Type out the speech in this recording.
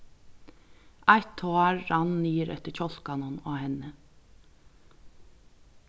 eitt tár rann niður eftir kjálkanum á henni